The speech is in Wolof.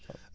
waaw